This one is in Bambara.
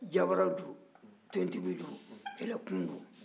jawara don tontigiw don kɛlɛkunw don